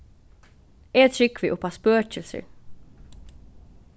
eg trúgvi upp á spøkilsir